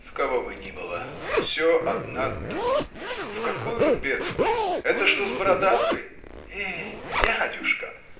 – в кого бы ни было – все одна дурь. В какую Любецкую? это что с бородавкой? – Э! дядюшка!